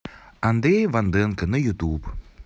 андрей ванденко на ютуб